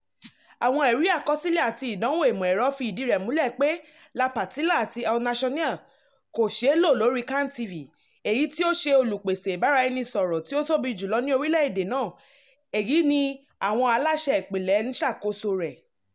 Àwọn ẹ̀rí àkọsílẹ̀ àti ìdánwò ìmọ̀ ẹ̀rọ fi ìdí rẹ̀ múlẹ̀ pé La Patilla àti El Nacional kò ṣeé lò lórí CANTV, èyí tí í ṣe olùpèsè ìbáraẹnisọ̀rọ̀ tí ó tóbi jùlọ ní orílẹ̀ èdè náà, èyí tí àwọn aláṣẹ ìpínlè ń ṣàkóso rẹ̀.